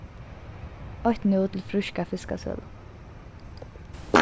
eitt nú til fríska fiskasølu